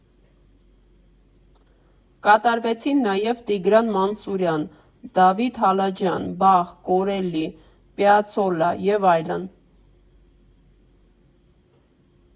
Կատարվեցին նաև Տիգրան Մանսուրյան, Դավիթ Հալաջյան, Բախ, Կորելլի, Պիացոլլա և այլն։